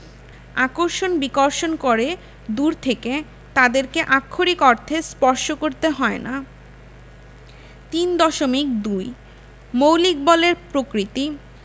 আকর্ষণ বিকর্ষণ করে দূর থেকে তাদেরকে আক্ষরিক অর্থে স্পর্শ করতে হয় না ৩.২ মৌলিক বলের প্রকৃতি